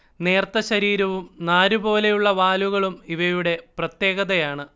നേർത്ത ശരീരവും നാരുപോലുള്ള വാലുകളും ഇവയുടെ പ്രത്യേകതയാണ്